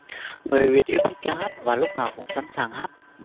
người việt yêu thích ca hát và lúc nào cũng sẵn sàng hát